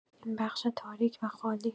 این بخش تاریک و خالی